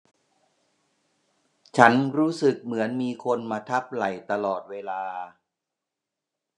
ฉันรู้สึกเหมือนมีคนมาทับไหล่ตลอดเวลา